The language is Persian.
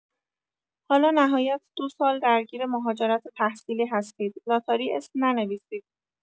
حالا نهایت دو سال درگیر مهاجرت تحصیلی هستید لاتاری اسم ننویسید.